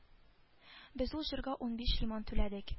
Без ул җырга унбиш лимон түләдек